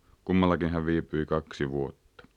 Kummallakin hän viipyi kaksi vuotta